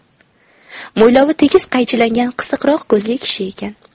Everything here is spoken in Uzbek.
mo'ylovi tekis qaychilangan qisiqroq ko'zli kishi ekan